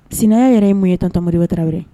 Sinanya yɛrɛ ye mun ye tan tanmoɔri wɛrɛtaw